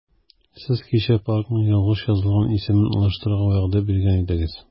Сез кичә паркның ялгыш язылган исемен алыштырырга вәгъдә биргән идегез.